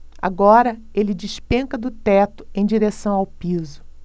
agora ele despenca do teto em direção ao piso